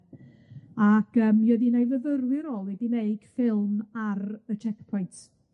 Ac yym mi oedd un o'i fyfyrwyr o wedi wneud ffilm ar y checkpoint.